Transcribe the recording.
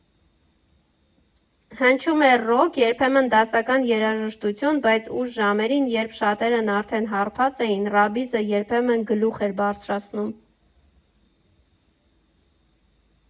Հնչում էր ռոք, երբեմն դասական երաժշտություն, բայց ուշ ժամերին, երբ շատերն արդեն հարբած էին, ռաբիզը երբեմն գլուխ էր բարձրացնում։